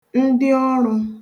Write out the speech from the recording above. ndịọrụ̄